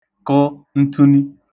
kə̣ nṫəni